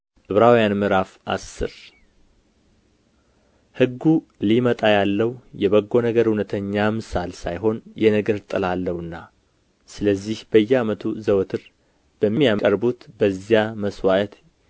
ዕብራውያን ምዕራፍ አስር ሕጉ ሊመጣ ያለው የበጎ ነገር እውነተኛ አምሳል ሳይሆን የነገር ጥላ አለውና ስለዚህም በየዓመቱ ዘወትር በሚያቀርቡት በዚያ መሥዋዕት